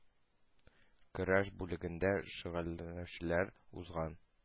Көрәш бүлегендә шөгыльләнүчеләр узган